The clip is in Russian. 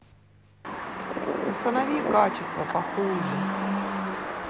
установи качество похуже